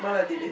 maladie bi